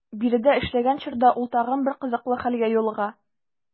Биредә эшләгән чорда ул тагын бер кызыклы хәлгә юлыга.